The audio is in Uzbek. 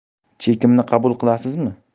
chekimni qabul qilasizmi